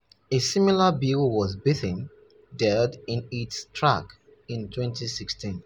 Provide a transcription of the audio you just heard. A similar bill was beaten dead in its track in 2016.